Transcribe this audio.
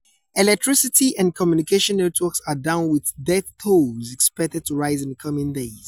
Electricity and communication networks are down with death tolls expected to rise in coming days.